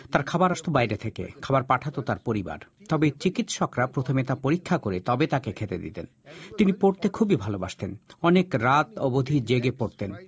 তার খাবার আসতো বাইরে থেকে খাবার পাঠাত তার পরিবার তবে চিকিৎসকরা প্রথমে তা পরীক্ষা করে তবে তাকে খেতে দিতেন তিনি পড়তে খুবই ভালোবাসতেন অনেক রাত অবধি জেগে পড়তেন